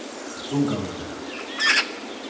dungavegur